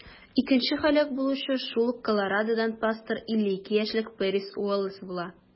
Икенче һәлак булучы шул ук Колорадодан пастор - 52 яшьлек Пэрис Уоллэс була.